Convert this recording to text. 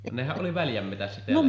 nehän oli väljänmetsässä täällä